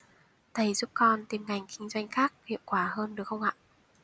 thầy giúp con tìm ngành kinh doanh khác hiệu quả hơn được không ạ